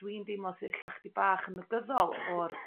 dwi'n d'imlo sy ella 'chydig bach yn negyddol o'r